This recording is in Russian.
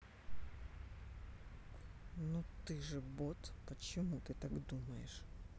ну ты же бот почему ты так думаешь